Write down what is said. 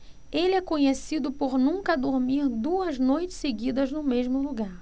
ele é conhecido por nunca dormir duas noites seguidas no mesmo lugar